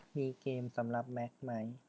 มีเกมสำหรับแมคไหม